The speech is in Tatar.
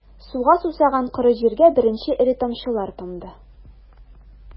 Суга сусаган коры җиргә беренче эре тамчылар тамды...